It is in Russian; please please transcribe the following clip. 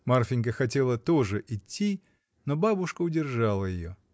Марфинька хотела тоже идти, но бабушка удержала ее.